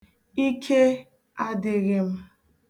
Ike adịghị m.